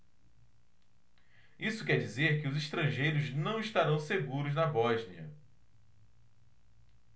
isso quer dizer que os estrangeiros não estarão seguros na bósnia